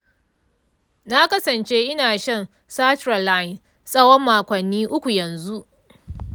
na kasance ina shan sertraline tsawon makonni uku yanzu.